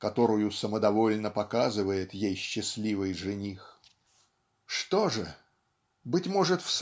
которую самодовольно показывает ей счастливый жених. Что же? Быть может